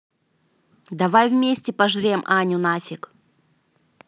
давай вместе пожрем аню нафиг